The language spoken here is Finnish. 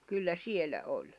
kyllä siellä oli